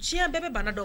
Tiɲɛ bɛɛ bɛ bana dɔn